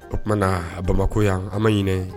O tumaumana bamakɔko yan an ma ɲin